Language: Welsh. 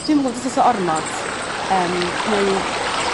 Dwi'm yn gwbod os o's o ormot yym neu